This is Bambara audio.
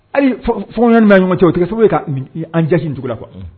Hali fɛn kɔni'a ɲɔgɔn cɛ o tɛ sababu ka an jate dugu la kuwa